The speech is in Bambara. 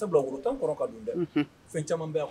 Sabula woorotan kɔrɔ ka dun dɛ, unhun, fɛn caman b'a kɔnɔ.